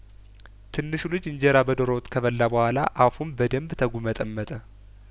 ትንሹ ልጅ እንጀራ በዶሮ ወጥ ከበላ በኋላ አፉን በደምብ ተጉመጠመጠ